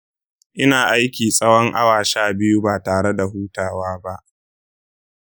ina aiki tsawon awa sha biyu ba tare da hutawa ba .